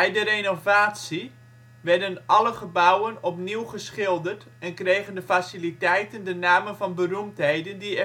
de renovatie werden alle gebouwen opnieuw geschilderd en kregen de faciliteiten de namen van beroemdheden die